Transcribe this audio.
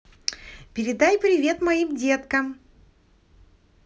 передай привет моим деткам